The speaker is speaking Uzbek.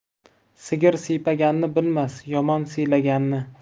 sigir siypaganni bilmas yomon siylaganni